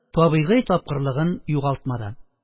Табигый тапкырлыгын югалтмады